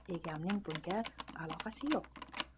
egamning bunga aloqasi yo'q